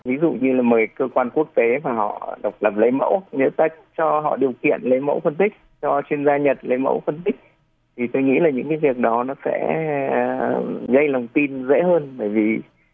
ví dụ như là mời cơ quan quốc tế và họ độc lập lấy mẫu người ta cho họ điều kiện lấy mẫu phân tích cho chuyên gia nhật lấy mẫu phân tích thì tôi nghĩ là những cái việc đó nó sẽ gây lòng tin dễ hơn bởi vì